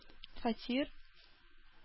Фатир